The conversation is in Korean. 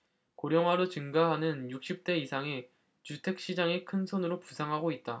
고령화로 증가하는 육십 대 이상이 주택 시장의 큰손으로 부상하고 있다